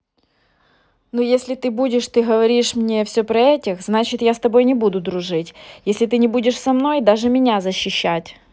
ну если ты будешь ты говоришь мне все про этих значит я с тобой не буду дружить если ты не будешь со мной даже меня защищать